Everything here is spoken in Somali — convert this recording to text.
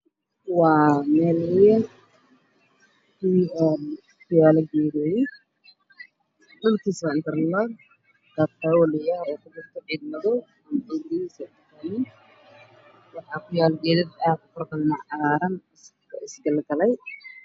Waa meel weyn oo ku yaalo geedo dhulkiisa waa inter log waxaa ku yaalo geedo dhaar dheer